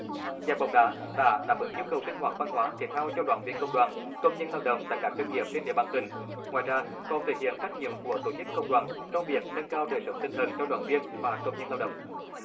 giải bóng đá đã đáp ứng nhu cầu sinh hoạt văn hóa thể thao cho đoàn viên công đoàn công nhân lao động tại các doanh nghiệp trên địa bàn tỉnh ngoài ra còn thể hiện trách nhiệm của tổ chức công đoàn trong việc nâng cao đời sống tinh thần cho đoàn viên và công nhân lao động